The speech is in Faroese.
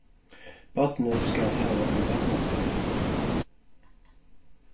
barnið skal hava ein barnastól